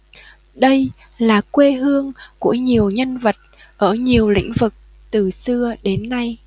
đây là quê hương của nhiều nhân vật ở nhiều lĩnh vực từ xưa đến nay